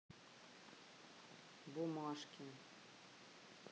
бумажки